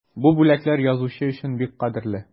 Бу бүләкләр язучы өчен бик кадерле.